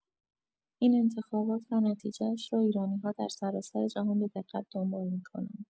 این انتخابات و نتیجه‌اش را ایرانی‌‌ها در سراسر جهان به‌دقت دنبال می‌کنند.